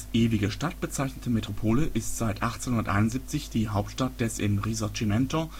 ewige Stadt “bezeichnete Metropole ist seit 1871 die Hauptstadt des im Risorgimento